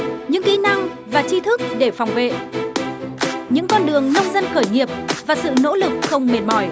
những kỹ năng và tri thức để phòng vệ những con đường nông dân khởi nghiệp và sự nỗ lực không mệt mỏi